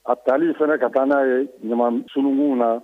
A taali fana ka taa n'a ye ɲama sununkun na